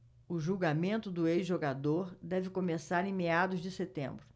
o julgamento do ex-jogador deve começar em meados de setembro